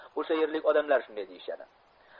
o'sha yerlik odamlar shunday deyishadi